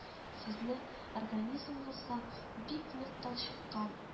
Сезне организмыгызга бик нык талчыккан